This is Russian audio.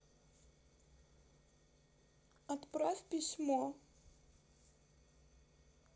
отправь письмо